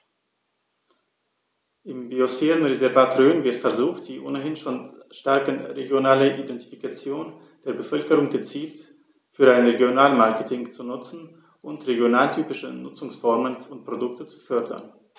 Im Biosphärenreservat Rhön wird versucht, die ohnehin schon starke regionale Identifikation der Bevölkerung gezielt für ein Regionalmarketing zu nutzen und regionaltypische Nutzungsformen und Produkte zu fördern.